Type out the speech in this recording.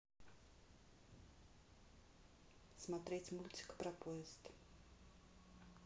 смотреть мультик про поезд